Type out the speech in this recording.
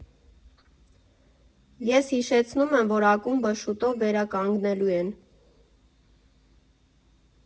Ես հիշեցնում եմ, որ ակումբը շուտով վերականգնելու են։